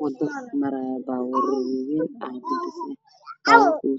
Bishan waxaa ka muuqdo waddo ay marayaan saddex iskarago oo